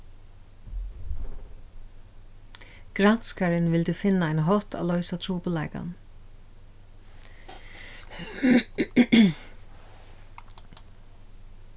granskarin vildi finna ein hátt at loysa trupulleikan